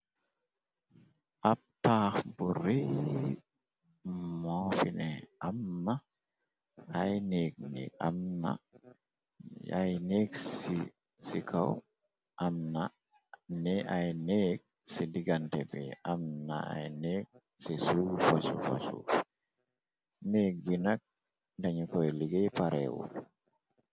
ab paax bu rauye mo fine am na ay neege ci kaw am na ay neege ci digante bi am na ay neege ci soufa soufe neege bi nak dañu koy ligay pareguot